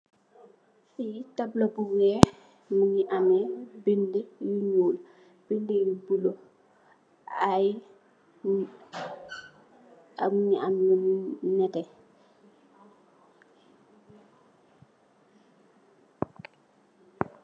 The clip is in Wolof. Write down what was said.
Fi taabla bu weeh, mungi ameh bindi yu ñuul, bindi yu bulo. Ay nit am nyu am lu nètè.